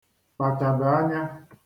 kpàchàbè anya